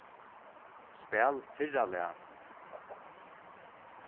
spæl fyrra lag